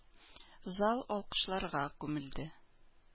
Зал алкышларга күмелде.